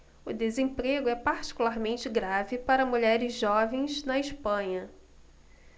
o desemprego é particularmente grave para mulheres jovens na espanha